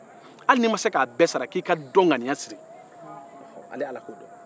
hali n'i ma se k'a bɛɛ sara k'i ka dɔ ŋaniya siri